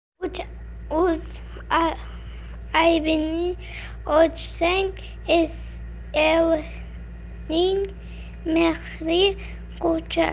o'z aybingni ochsang elning mehri qochar